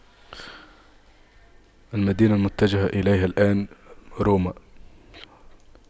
المدينة المتجه اليها الآن روما